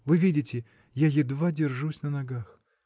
Вы видите, я едва держусь на ногах.